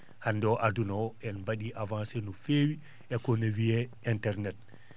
hannde o aduna o en mba?ii avancé no feewi e ko ne wiye internet